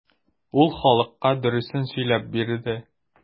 Ул халыкка дөресен сөйләп бирде.